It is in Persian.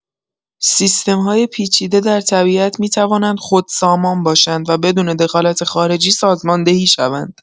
سیستم‌های پیچیده در طبیعت می‌توانند خودسامان باشند و بدون دخالت خارجی سازماندهی شوند.